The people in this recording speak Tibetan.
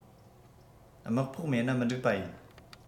དམག ཕོགས མེད ན མི འགྲིག པ ཡིན